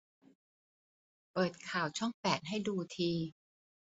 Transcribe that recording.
เปิดข่าวช่องแปดให้ดูที